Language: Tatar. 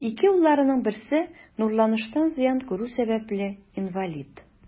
Ике улларының берсе нурланыштан зыян күрү сәбәпле, инвалид.